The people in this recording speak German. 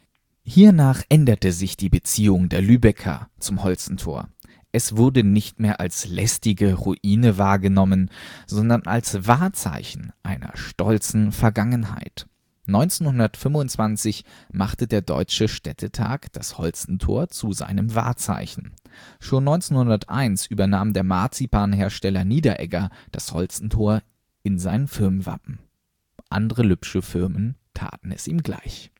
Hiernach änderte sich die Beziehung der Lübecker zum Holstentor. Es wurde nicht mehr als lästige Ruine wahrgenommen, sondern als Wahrzeichen einer stolzen Vergangenheit. 1925 machte der Deutsche Städtetag das Holstentor zu seinem Wahrzeichen. Schon 1901 übernahm der Marzipanhersteller Niederegger das Holstentor in sein Firmenwappen. Andere lübsche Firmen taten es ihm gleich